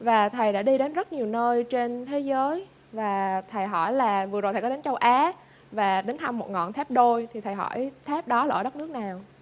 và thầy đã đi đến rất nhiều nơi trên thế giới và thầy hỏi là vừa rồi thầy có đến châu á và đến thăm một ngọn tháp đôi thì thầy hỏi tháp đó là ở đất nước nào